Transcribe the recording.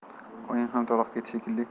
oyim ham toliqib ketdi shekilli